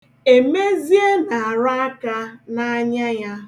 Emezie na-arọ aka n'anya ya.